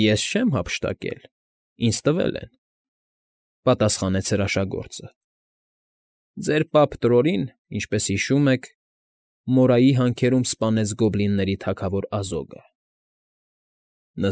Ես չեմ հափշտակել, ինձ տվել են, ֊ պատասխանեց հրաշագործը։ ֊ Ձեր պապ Տրորին, ինչպես հիշում եք, Մորայայի հանքերում սպանեց գոբլինների թագավոր Ազոգը։ ֊